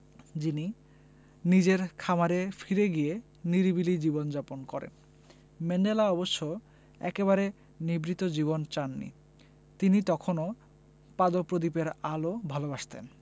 যিনি নিজের খামারে ফিরে গিয়ে নিরিবিলি জীবন যাপন করেন ম্যান্ডেলা অবশ্য একেবারে নিভৃত জীবন চাননি তিনি তখনো পাদপ্রদীপের আলো ভালোবাসতেন